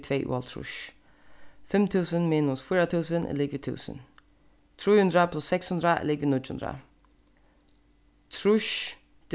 tveyoghálvtrýss fimm túsund minus fýra túsund er ligvið túsund trý hundrað pluss seks hundrað er ligvið nýggju hundrað trýss